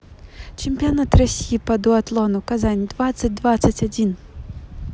чемпионат россии по дуатлону казань двадцать двадцать один